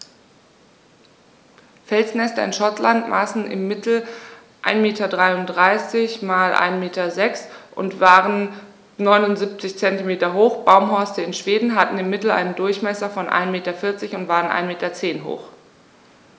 Felsnester in Schottland maßen im Mittel 1,33 m x 1,06 m und waren 0,79 m hoch, Baumhorste in Schweden hatten im Mittel einen Durchmesser von 1,4 m und waren 1,1 m hoch.